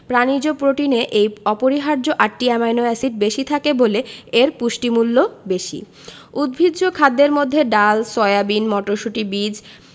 প্রাণিজ প্রোটিনে এই অপরিহার্য আটটি অ্যামাইনো এসিড বেশি থাকে বলে এর পুষ্টিমূল্য বেশি উদ্ভিজ্জ খাদ্যের মধ্যে ডাল সয়াবিন মটরশুটি বীজ